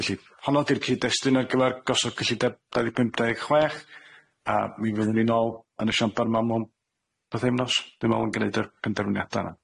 Felly honno di'r cyd-destun ar gyfer gosod cyllideb dau ddeg pump dau chwech, a mi fyddwn ni nôl yn y siambar 'ma mewn pythefnos dwi me'wl yn gneud y penderfyniada 'na.